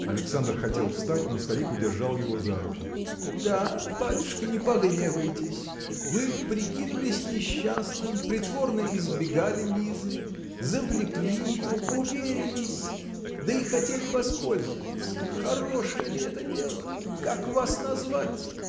Александр хотел встать, но старик удержал его за руку. – Да, батюшка, не погневайтесь. Вы прикинулись несчастным притворно избегали Лизы завлекли ее уверились да и хотели воспользоваться. Хорошее ли это дело? Как вас назвать?